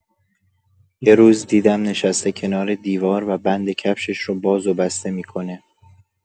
یه روز دیدم نشسته کنار دیوار و بند کفشش رو باز و بسته می‌کنه.